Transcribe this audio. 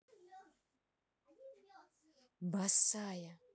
босая